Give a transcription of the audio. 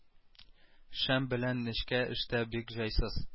Шәм белән нечкә эштә бик җайсыз